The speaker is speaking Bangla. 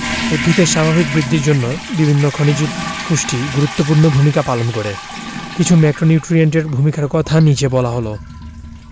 উদ্ভিদের স্বাভাবিক বৃদ্ধির জন্য বিভিন্ন খনিজ পুষ্টি গুরুত্বপূর্ণ ভূমিকা পালন করে কিছু ম্যাক্রোনিউট্রিয়েন্টের ভূমিকার কথা নিচে বলা হল